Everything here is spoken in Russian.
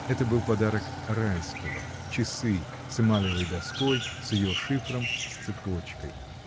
Это был подарок Райского: часы, с эмалевой доской, с ее шифром, с цепочкой.